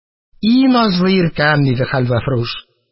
И назлы иркәм! – диде хәлвәфрүш.